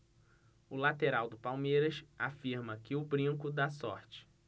o lateral do palmeiras afirma que o brinco dá sorte